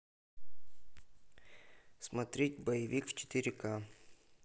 смотреть боевик в четыре ка